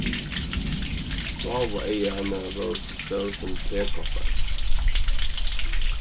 bláu eygu hennara vóru so stór sum tekoppar